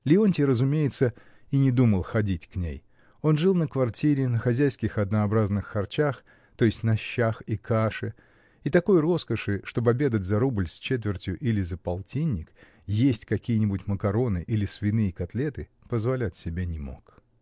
Леонтий, разумеется, и не думал ходить к ней: он жил на квартире, на хозяйских однообразных харчах, то есть на щах и каше, и такой роскоши, чтоб обедать за рубль с четвертью или за полтинник, есть какие-нибудь макароны или свиные котлеты, — позволять себе не мог.